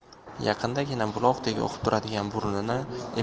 yaqindagina buloqdek oqib turadigan burnini